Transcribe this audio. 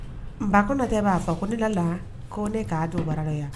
Ko tɛ b'a fa ko ne la la ko ne k'a don bara yan